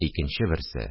Икенче берсе,